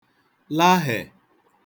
lahè